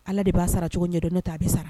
Ala de b'a sara cogo ɲɛ don ne ta a bɛ sara